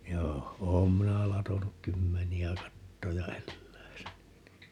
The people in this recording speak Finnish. joo olen minä latonut kymmeniä kattoja eläissäni niin